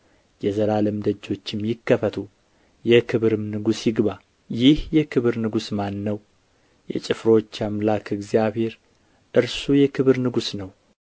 የዘላለም ደጆችም ይከፈቱ የክብርም ንጉሥ ይግባ ይህ የክብር ንጉሥ ማን ነው የጭፍሮች አምላክ እግዚአብሔር እርሱ የክብር ንጉሥ ነው